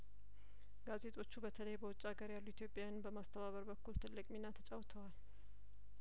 ጋዜጦቹ በተለይ በውጭ አገር ያሉ ኢትዮጵያውያንን በማስተባበር በኩል ትልቅ ሚና ተጫውተዋል